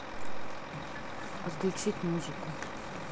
отключить музыку